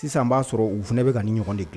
Sisan an b'a sɔrɔ u fana bɛka ka ni ɲɔgɔn de dilan